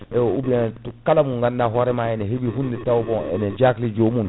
ewo ou bien to kala mo ganduɗa hoorema ene heeɓi hunde taw bon ene jaahli jomum